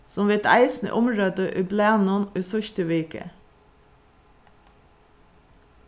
sum vit eisini umrøddu í blaðnum í síðstu viku